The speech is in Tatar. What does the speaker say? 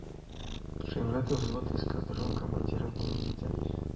Шәйморатов взвод, эскадрон командиры булып китә.